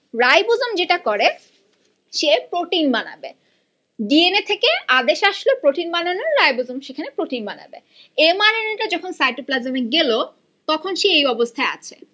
ribosome যেটা করে সে প্রোটিন বানাবে ডি এন এ থেকে আদেশ আসলো প্রোটিন বানানোর রাইবোজোম সেখানে প্রোটিন বানাবে এম আর এন এটা যখন সাইটোপ্লাজমে গেল তখন সে এই অবস্থায় আছে